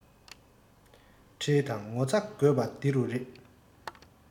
ཁྲེལ དང ངོ ཚ དགོས པ འདི རུ རེད